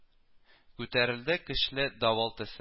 Күтәрелде көчле давыл төсле